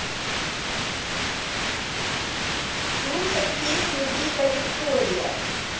слушать песню вика виктория